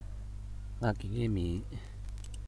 ང དགེ རྒན མིན